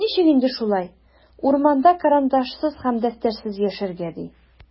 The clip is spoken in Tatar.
Ничек инде шулай, урманда карандашсыз һәм дәфтәрсез яшәргә, ди?!